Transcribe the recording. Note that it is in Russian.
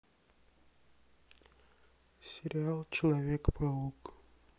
сериал человек паук